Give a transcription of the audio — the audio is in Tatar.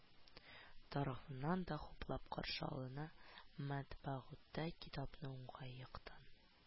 Тарафыннан да хуплап каршы алына, матбугатта китапны уңай яктан